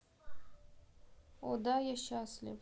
о да я счастлив